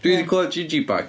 Dwi 'di clywed jiji back.